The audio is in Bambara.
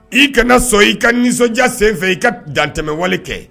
I kana sɔn i ka nisɔndiya senfɛ i ka dantɛmɛwale kɛ